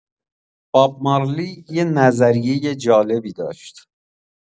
باب مارلی یه نظریۀ جالبی داشت.